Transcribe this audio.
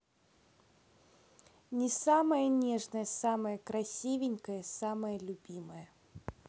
не самая нежная самая красивенькая самая любимая